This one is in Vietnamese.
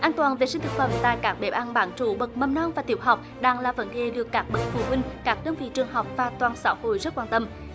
an toàn vệ sinh thực phẩm tại các bếp ăn bán trú bậc mầm non và tiểu học đang là vấn đề được các bậc phụ huynh các đơn vị trường học và toàn xã hội rất quan tâm